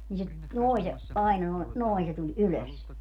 niin se noin se aina noin noin se tuli ylös